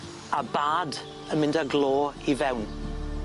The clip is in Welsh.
A bad yn mynd â glo i fewn.